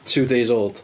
Two days old.